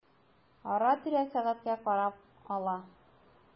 Ара-тирә сәгатькә карап ала.